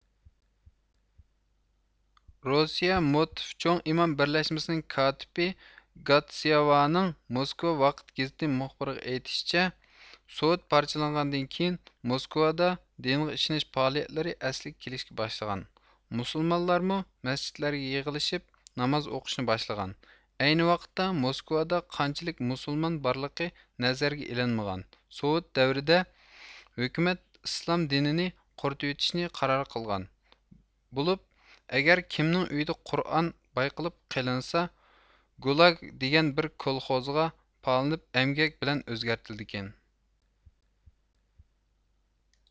رۇسىيە مۇتىف چوڭ ئىمام بىرلەشمىسىنىڭ كاتىپى گاتسىيەۋانىڭ موسكۋا ۋاقىت گېزىتى مۇخبىرىغا ئېيتىشىچە سوۋېت پارچىلانغاندىن كېيىن موسكۋادا دىنغا ئىشىنىش پائالىيەتلىرى ئەسلىگە كېلىشكە باشلىغان مۇسۇلمانلارمۇ مەسچىتلەرگە يىغىلىشىپ ناماز ئۇقۇشنى باشلىغان ئەينى ۋاقىتتا موسكۋادا قانچىلىك مۇسۇلمان بارلىقى نەزەرگە ئېلىنمىغان سوۋېت دەۋرىدە ھۆكۈمەت ئىسلام دىنىنى قۇرۇتۇۋېتىشنى قارار قىلغان بولۇپ ئەگەر كىمنىڭ ئۆيىدە قۇرئان بايقىلىپ قېلىنسا گۇلاگ دېگەن بىر كولخوزغا پالىنىپ ئەمگەك بىلەن ئۆزگەرتىلىدىكەن